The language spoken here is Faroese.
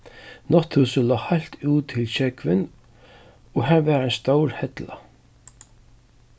nátthúsið lá heilt út til sjógvin og har var ein stór hella